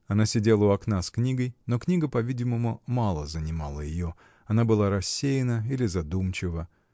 Она сидела у окна с книгой, но книга, по-видимому, мало занимала ее: она была рассеянна или задумчива.